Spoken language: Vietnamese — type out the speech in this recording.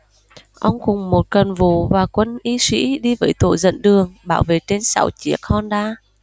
ông cùng một cần vụ và quân y sĩ đi với tổ dẫn đường bảo vệ trên sáu chiếc honda